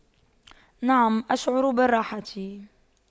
نعم أشعر بالراحة